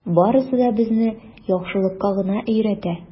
Барысы да безне яхшылыкка гына өйрәтә.